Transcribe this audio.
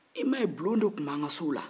e m'a ye bulon de tun b'an ka sow la